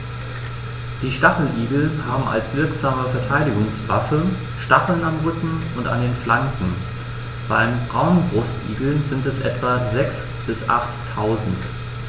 Die Stacheligel haben als wirksame Verteidigungswaffe Stacheln am Rücken und an den Flanken (beim Braunbrustigel sind es etwa sechs- bis achttausend).